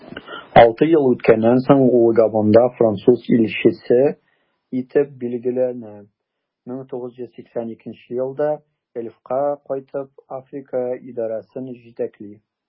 Алты ел үткәннән соң, ул Габонда француз илчесе итеп билгеләнә, 1982 елда Elf'ка кайтып, Африка идарәсен җитәкли.